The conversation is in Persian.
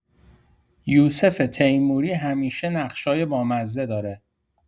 یوسف تیموری همیشه نقشای بامزه داره.